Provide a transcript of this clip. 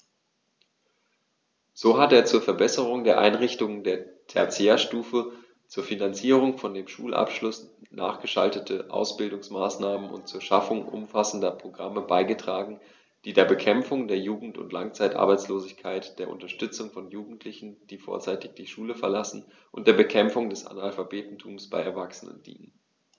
So hat er zur Verbesserung der Einrichtungen der Tertiärstufe, zur Finanzierung von dem Schulabschluß nachgeschalteten Ausbildungsmaßnahmen und zur Schaffung umfassender Programme beigetragen, die der Bekämpfung der Jugend- und Langzeitarbeitslosigkeit, der Unterstützung von Jugendlichen, die vorzeitig die Schule verlassen, und der Bekämpfung des Analphabetentums bei Erwachsenen dienen.